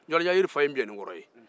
yɔriyayiri fa ye npɛnikɔrɔ ye